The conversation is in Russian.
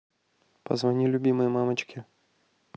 позвони любимой мамочке